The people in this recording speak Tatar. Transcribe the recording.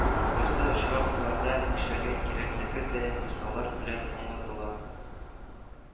Кайсы очрак ларда нишләргә кирәклеге дә мисаллар белән аңлатыла